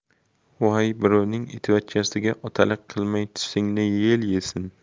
voy birovning itvachchasiga otalik qilmay tusingni yel yesin